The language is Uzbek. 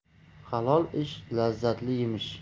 halol ish lazzatli yemish